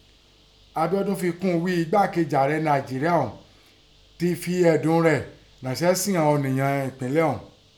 Abíọ́dún fi kún un ghí i ẹgbákèjì Ààrẹ Nàìjeríà ọ̀ún tẹ fi ẹ̀dùn rẹ̀ ráńsẹ́ sí ìghọn ọ̀nìyàn ẹ̀pínlẹ̀ ọ̀hun.